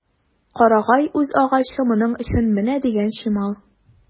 Карагай үзагачы моның өчен менә дигән чимал.